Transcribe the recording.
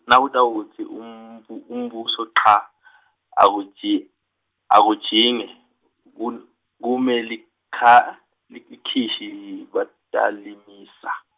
Nawutawutsi umbu- umbuso cha , akuji-, akujinge kul- kume likha, lik- likhishi batalimisa.